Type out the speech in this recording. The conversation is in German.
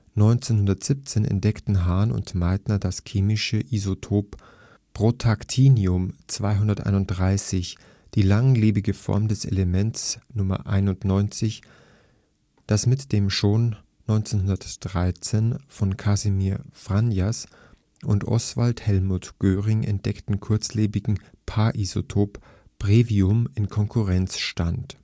1917 entdeckten Hahn und Meitner das chemische Isotop Protactinium 231, die langlebige Form des Elements Nr. 91, das mit dem schon 1913 von Kasimir Fajans und Oswald Helmuth Göhring entdeckten kurzlebigen Pa-Isotop Brevium in Konkurrenz stand